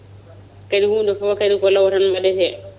kadi hunde foo kadi ko law tan waɗete